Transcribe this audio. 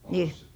niin